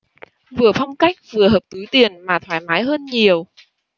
vừa phong cách vừa hợp túi tiền mà thoái mái hơn nhiều